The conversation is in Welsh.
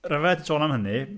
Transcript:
Rhyfedd sôn am hynny...